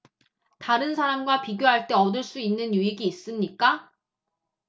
다른 사람과 비교할 때 얻을 수 있는 유익이 있습니까